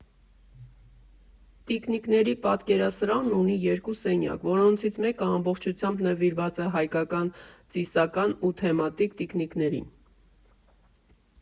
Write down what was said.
Տիկնիկների պատկերասրահն ունի երկու սենյակ, որոնցից մեկն ամբողջությամբ նվիրված է հայկական ծիսական ու թեմատիկ տիկնիկներին։